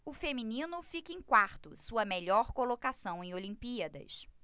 o feminino fica em quarto sua melhor colocação em olimpíadas